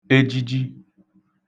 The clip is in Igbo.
ejiji